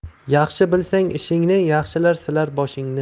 yaxshi bilsang ishingni yaxshilar silar boshingni